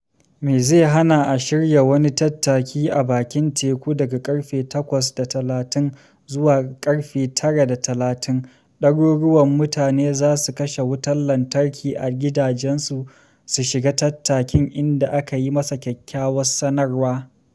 Me zai hana a shirya wani tattaki a bakin teku daga ƙarfe 8:30 zuwa 9:30… ɗaruruwan mutane za su kashe wutar lantarki a gidajensu su shiga tattakin idan aka yi masa kyakkyawar sanarwa .